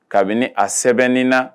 Kabini a sɛbɛnni na